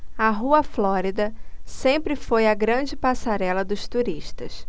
a rua florida sempre foi a grande passarela dos turistas